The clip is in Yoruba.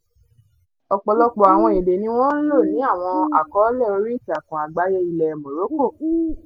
Ọ̀pọ̀lọpọ̀ àwọn èdè ni wọ́n ń lò ní àwọn àkọọ́lẹ̀ oríìtakùn àgbáyé ilẹ̀ Morocco.